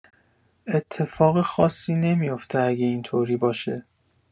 اتفاقی خاصی نمیوفته اگه این‌طوری باشه